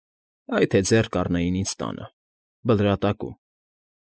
Այ թե ձեռ կառնեին ինձ տանը, Բլրատակում։